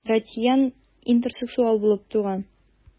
Ратьен интерсексуал булып туган.